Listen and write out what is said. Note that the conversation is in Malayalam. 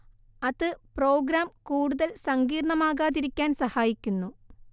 അത് പ്രോഗ്രാം കൂടുതൽ സങ്കീർണ്ണമാകാതിരിക്കാൻ സഹായിക്കുന്നു